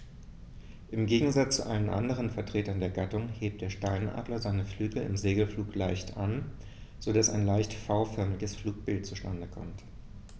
Im Gegensatz zu allen anderen Vertretern der Gattung hebt der Steinadler seine Flügel im Segelflug leicht an, so dass ein leicht V-förmiges Flugbild zustande kommt.